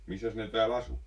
missäs ne täällä asui